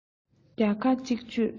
བརྒྱ ཁ གཅིག གཅོད